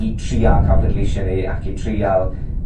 i trial ca'l pleidleisie ni ac i trial